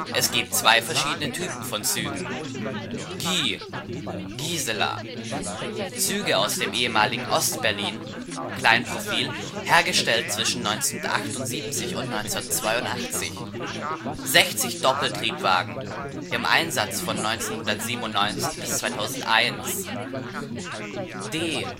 Es gibt zwei verschiedene Typen von Zügen: GI („ Gisela “), Züge aus dem ehemaligen Ost-Berlin, Kleinprofil, hergestellt zwischen 1978 und 1982. 60 Doppeltriebwagen. Im Einsatz von 1997 bis 2001. D